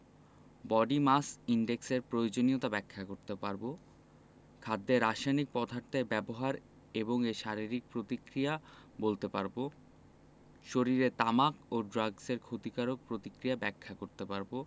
body mass index এর প্রয়োজনীয়তা ব্যাখ্যা করতে পারব খাদ্যে রাসায়নিক পদার্থের ব্যবহার এবং এর শারীরিক প্রতিক্রিয়া বলতে পারব শরীরে তামাক ও ড্রাগসের ক্ষতিকারক প্রতিক্রিয়া ব্যাখ্যা করতে পারব